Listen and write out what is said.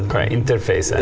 hva er interfacet?